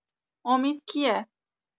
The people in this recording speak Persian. امید کیه